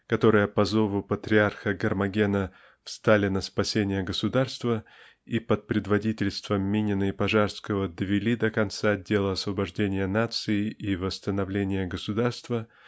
которые по зову патриарха Гермогена встали на спасение государства и под предводительством Минина и Пожарского довели до конца дело освобождения нации и восстановления государства